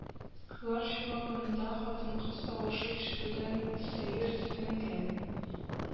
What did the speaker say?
Лар чуагында хатын-кыз тавышы ишетүдән сәерсенгән